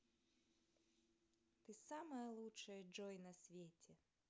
ты самая лучшая джой на свете